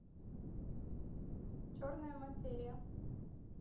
черная материя